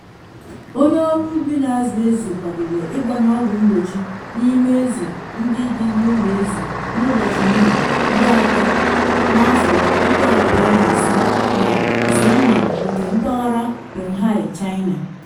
Onye ọrụ ubi na azụ ezi kwadoro ịgbanye ọgwụ mgbochi n’ime ezi ndị dị n’ụlọ ezi n’ụbọchi Meh 30, 2005 na Xining nke Mpaghara Qinghai, China.